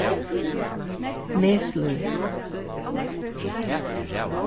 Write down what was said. neslíð